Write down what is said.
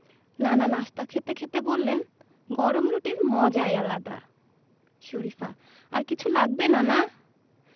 নানা নাশতা খেতে খেতে বললেন গরম রুটির মজাই আলাদা শরিফা আর কিছু লাগবে নানা